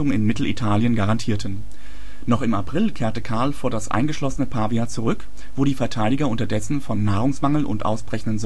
in Mittelitalien garantierten. Noch im April kehrte Karl vor das eingeschlossene Pavia zurück, wo die Verteidiger unterdessen von Nahrungsmangel und ausbrechenden